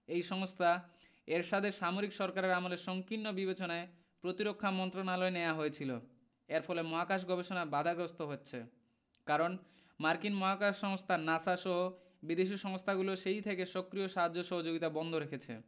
এই সংস্থা এরশাদের সামরিক সরকারের আমলে সংকীর্ণ বিবেচনায় প্রতিরক্ষা মন্ত্রণালয়ে নেওয়া হয়েছিল এর ফলে মহাকাশ গবেষণা বাধাগ্রস্ত হচ্ছে কারণ মার্কিন মহাকাশ সংস্থা নাসা সহ বিদেশি সংস্থাগুলো সেই থেকে সক্রিয় সাহায্য সহযোগিতা বন্ধ রেখেছে